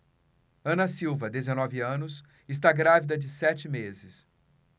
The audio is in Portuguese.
ana silva dezenove anos está grávida de sete meses